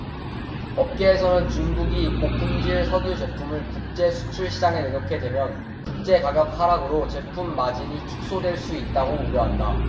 업계에서는 중국이 고품질 석유 제품을 국제 수출 시장에 내놓게 되면 국제가격 하락으로 제품 마진이 축소될 수 있다고 우려한다